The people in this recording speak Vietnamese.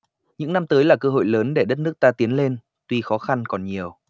những năm tới là cơ hội lớn để đất nước ta tiến lên tuy khó khăn còn nhiều